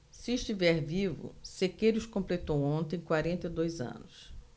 se estiver vivo sequeiros completou ontem quarenta e dois anos